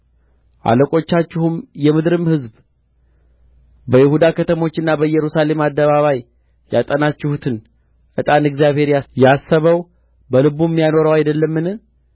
አለቆቻችሁም የምድርም ሕዝብ በይሁዳ ከተሞችና በኢየሩሳሌም አደባባይ ያጠናችሁትን ዕጣን እግዚአብሔር ያሰበው በልቡም ያኖረው አይደለምን